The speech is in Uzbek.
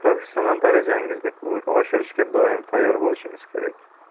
professional darajangizni oshirishga doim tayyor bo'lishingiz kerak